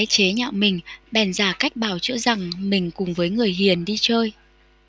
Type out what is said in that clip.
chế nhạo mình bèn giả cách bào chữa rằng mình cùng với người hiền đi chơi